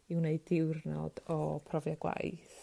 i wneud diwrnod o profiad gwaith